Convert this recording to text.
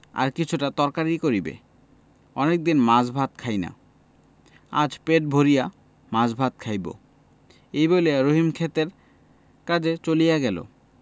আর কিছুটা তরকারি করিবে অনেকদিন মাছ ভাত খাই না আজ পেট ভরিয়া মাছ ভাত খাইব এই বলিয়া রহিম ক্ষেতের কাজে চলিয়া গেল